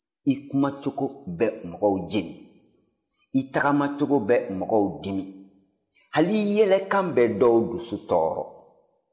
i kumacogo bɛ mɔgɔw jeni i tagamacogo bɛ mɔgɔw dimi hal'i yɛlɛkan bɛ dɔw dusu tɔɔrɔ